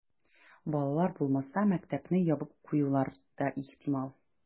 Балалар булмаса, мәктәпне ябып куюлары да ихтимал.